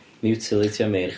miwtileitio meirch.